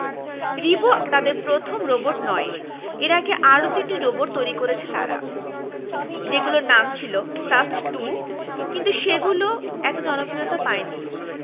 রিবো তাদের প্রথম রোবট নয় এর আগে আরও তিনটি রোবট তৈরি করেছে তারা যেগুলোর নাম ছিল সাস্ট টু কিন্তু সেগুলো এত জনপ্রিয়তা পায়নি